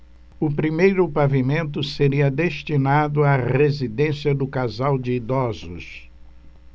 o primeiro pavimento seria destinado à residência do casal de idosos